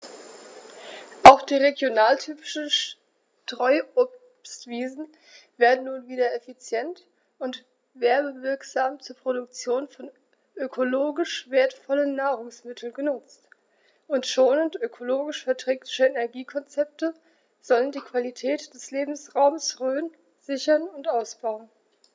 Auch die regionaltypischen Streuobstwiesen werden nun wieder effizient und werbewirksam zur Produktion von ökologisch wertvollen Nahrungsmitteln genutzt, und schonende, ökologisch verträgliche Energiekonzepte sollen die Qualität des Lebensraumes Rhön sichern und ausbauen.